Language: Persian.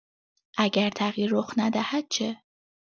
اگر تغییر رخ ندهد چه؟